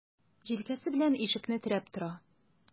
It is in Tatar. Җилкәсе белән ишекне терәп тора.